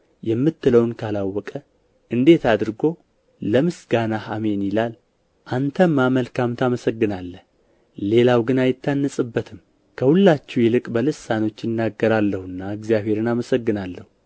የምትለውን ካላወቀ እንዴት አድርጎ ለምስጋናህ አሜን ይላል አንተማ መልካም ታመሰግናለህ ሌላው ግን አይታነጽበትም ከሁላችሁ ይልቅ በልሳኖች እናገራለሁና እግዚአብሔርን አመሰግናለሁ